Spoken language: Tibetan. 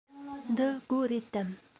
འདི སྒོ རེད དམ